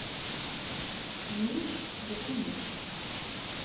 меч два меч